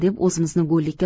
deb o'zimizni go'llikka